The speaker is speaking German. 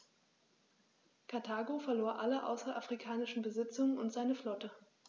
Karthago verlor alle außerafrikanischen Besitzungen und seine Flotte.